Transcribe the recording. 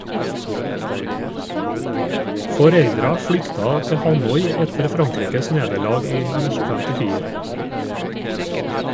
Foreldra flykta til Hanoi etter Frankrikes nederlag i 1954.